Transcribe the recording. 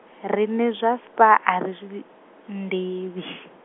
riṋe zwa Spar ari zwi vhi nḓivhi.